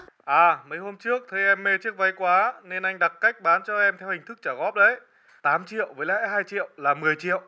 à mấy hôm trước thấy em mê chiếc váy quá nên anh đặc cách bán cho em theo hình thức trả góp đấy tám triệu với lại hai triệu là mười triệu